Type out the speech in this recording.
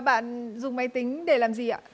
à bạn dùng máy tính để làm gì ạ